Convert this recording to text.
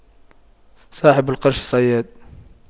صاحب القرش صياد